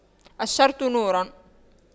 الشرط نور